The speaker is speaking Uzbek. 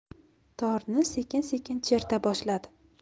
torni sekin sekin cherta boshladi